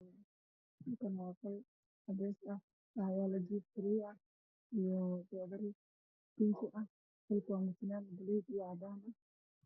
Halkan waa qol cades ah waxyalo jiif garey ah io jodari binki ah dhulka waa mutuleel balug io cadan